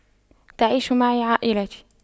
تعيش معي عائلتي